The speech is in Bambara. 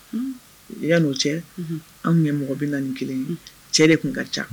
Yan no cɛ anw ɲɛmɔgɔ bi na ni kelen ye. Cɛ de kun ka ca.